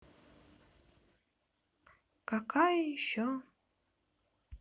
какая еще